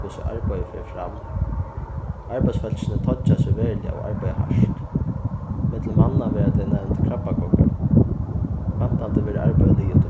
hvussu arbeiðið fer fram arbeiðsfólkini toyggja seg veruliga og arbeiða hart millum manna verða tey nevnd krabbagoggur væntandi verður arbeiðið liðugt í